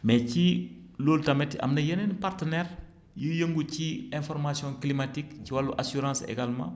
mais ci loolu tamit am na yeneen partenaires yuy yëngu ci information climatique ci wàllu assurance également